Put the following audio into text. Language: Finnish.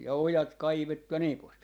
ja ojat kaivettu ja niin pois